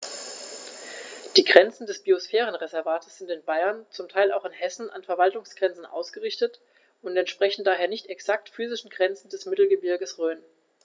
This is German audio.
Die Grenzen des Biosphärenreservates sind in Bayern, zum Teil auch in Hessen, an Verwaltungsgrenzen ausgerichtet und entsprechen daher nicht exakten physischen Grenzen des Mittelgebirges Rhön.